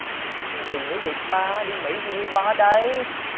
cái gì nữa dậy ba đi mỹ gì liên quan ở đây